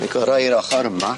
Mi 'gora i'r ochor yma.